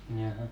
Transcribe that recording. jaaha